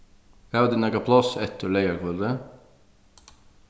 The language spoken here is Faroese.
hava tit nakað pláss eftir leygarkvøldið